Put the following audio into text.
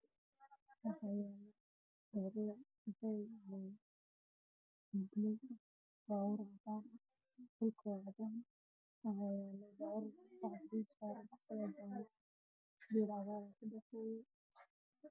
Meeshaan ahaa yeelay baabuur cadaan ah wixii hoos yaalla geed cagaar ah ka dambeeya dabaqyo dheer